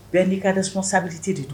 Bɛɛ n'i ka de sɔn sabali tɛ de don